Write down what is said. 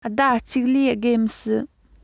ཟླ ཅིག ལས བརྒལ མི སྲིད